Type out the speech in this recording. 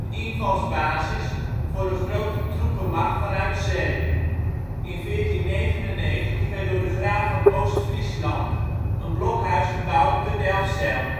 invalsbasis voor een grote troepenmacht vanuit zee. In 1499 werd door de Graaf van Oost-Friesland een blokhuis gebouwd te Delfzijl